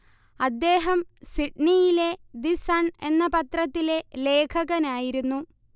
അദ്ദേഹം സിഡ്നിയിലെ the Sun എന്ന പത്രത്തിലെ ലേഖകനായിരുന്നു